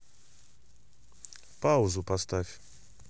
паузу поставь